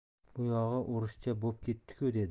bu yog'i o'rischa bo'p ketdi ku dedi